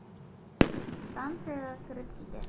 Станциягә кереп китә.